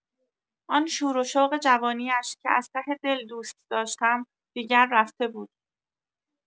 آن شور و شوق جوانی‌اش، که از ته دل دوست داشتم، دیگر رفته بود.